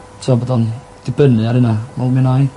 t'mod bod o'n dibynnu ar ynna wel mi wnâi...